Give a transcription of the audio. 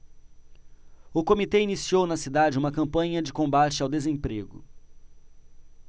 o comitê iniciou na cidade uma campanha de combate ao desemprego